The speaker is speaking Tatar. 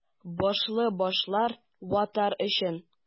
Башлы башлар — ватар өчен!